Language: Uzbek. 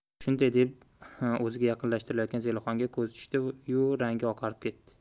shunday deb o'ziga yaqinlashayotgan zelixonga ko'zi tushdi yu rangi oqarib ketdi